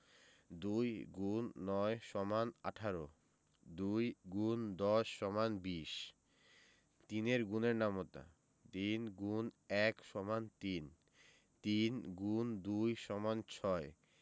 ২ X ৯ = ১৮ ২ ×১০ = ২০ ৩ এর গুণের নামতা ৩ X ১ = ৩ ৩ X ২ = ৬